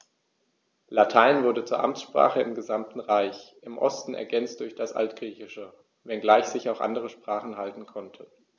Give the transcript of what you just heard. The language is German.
Latein wurde zur Amtssprache im gesamten Reich (im Osten ergänzt durch das Altgriechische), wenngleich sich auch andere Sprachen halten konnten.